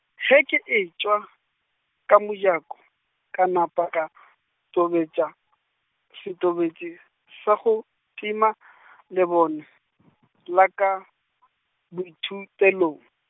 ge ke etšwa, ka mojako, ka napa ka, tobetša, setobetši, sa go, tima , lebone, la ka , boithutelong.